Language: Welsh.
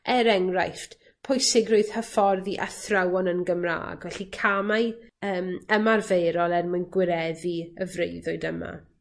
Er enghraifft, pwysigrwydd hyfforddi athrawon yn Gymra'g, felly camau yym ymarferol er mwyn gwireddu y freuddwyd yma.